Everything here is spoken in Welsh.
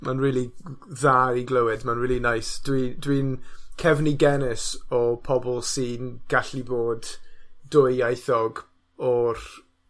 Ma'n rili dd- dda i glywed. Ma'n rili neis. Dwi dwi'n cefnigennus o pobl sy'n gallu bod dwyieithog o'r